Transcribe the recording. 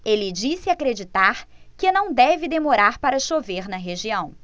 ele disse acreditar que não deve demorar para chover na região